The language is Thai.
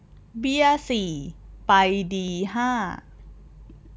เบี้ยสี่ไปดีห้า